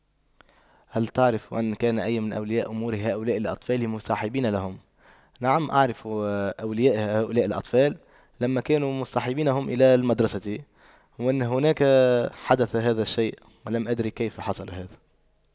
هل تعرف ان كان أي من أولياء أمور هؤلاء الأطفال مصاحبين لهم نعم أعرف أولياء هؤلاء الأطفال لما كانوا مصطحبينهم إلى المدرسة وأن هناك حدث هذا الشيء ولم أدري كيف حصل هذا